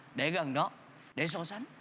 để gần đó để so sánh